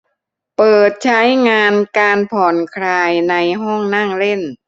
เปิดใช้งานการผ่อนคลายในห้องนั่งเล่น